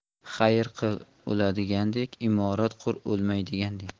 xayr qil o'ladigandek imorat qur o'lmaydigandek